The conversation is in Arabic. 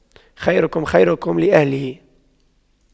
خيركم خيركم لأهله